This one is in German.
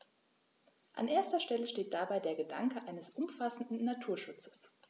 An erster Stelle steht dabei der Gedanke eines umfassenden Naturschutzes.